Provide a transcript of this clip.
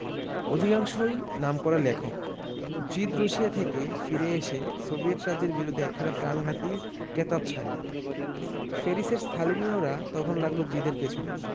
অধিকাংশই নামকরা লেখক জিদ রুশিয়া থেকে ফিরে এসে সোভিয়েট রাজ্যের বিরুদ্ধে একখানা প্রাণঘাতী কেতাব ছাড়েন প্যারিসের স্তালিনীয়রা তখন লাগল জিদের পেছনে